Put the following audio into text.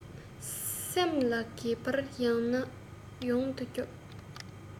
སེམས ལ གད བདར ཡང ནས ཡང དུ རྒྱོབ